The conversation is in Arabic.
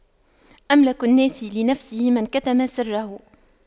أملك الناس لنفسه من كتم سره